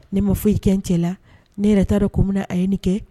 Ne ma fɔ i kɛ cɛ la ne yɛrɛ taa don ko min na a ye nin kɛ